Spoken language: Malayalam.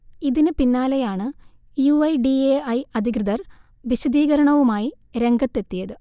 ഇതിന് പിന്നാലെയാണ് U I D A I അധികൃർ വിശദീകരണവുമായി രംഗത്തെത്തിയത്